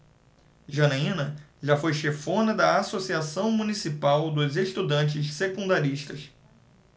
janaina foi chefona da ames associação municipal dos estudantes secundaristas